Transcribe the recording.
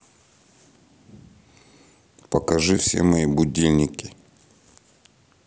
покажи все мои будильники